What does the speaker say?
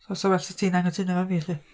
So 'sa'n well 'sa ti'n anghytuno efo fi, 'lly?